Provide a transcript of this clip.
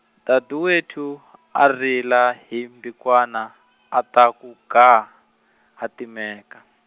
Dadewethu, a rila, hi mbhikwana, a ta ku gaa, a timeka.